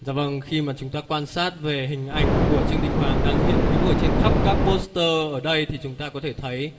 dạ vâng khi mà chúng ta quan sát về hình ảnh của trương đình hoàng đang hiện hữu ở trên khắp các pót sờ tơ ở đây thì chúng ta có thể thấy